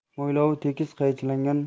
mo'ylovi tekis qaychilangan